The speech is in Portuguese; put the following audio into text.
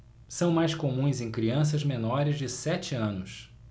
são mais comuns em crianças menores de sete anos